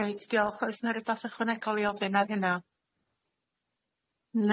Reit diolch oes 'na rwbath ychwanegol i ofyn ar hynna?